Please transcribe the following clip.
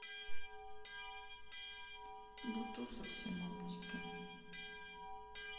бутусов синоптики